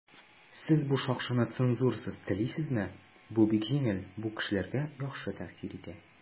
"сез менә бу шакшыны цензурасыз телисезме?" - бу бик җиңел, бу кешеләргә яхшы тәэсир итә.